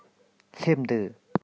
སླེབས འདུག